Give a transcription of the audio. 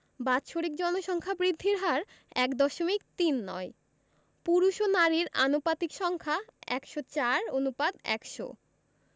বাৎসরিক জনসংখ্যা বৃদ্ধির হার ১দশমিক তিন নয় পুরুষ ও নারীর আনুপাতিক সংখ্যা ১০৪ অনুপাত ১০০